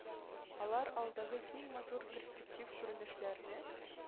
Алар алдагы киң, матур перспектив күренешләрне